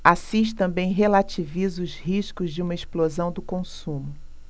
assis também relativiza os riscos de uma explosão do consumo